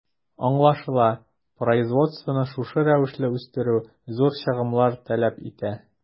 Аңлашыла, производствоны шушы рәвешле үстерү зур чыгымнар таләп итә.